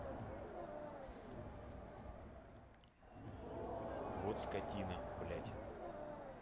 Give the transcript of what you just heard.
вот скотина блядь